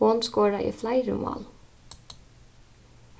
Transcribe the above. hon skoraði fleiri mál